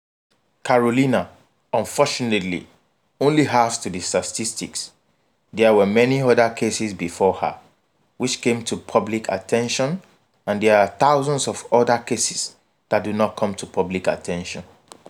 Carolina, unfortunately, only adds to the statistics, there were many other cases before her which came to public attention and there are thousands of other cases that do not come to public attention.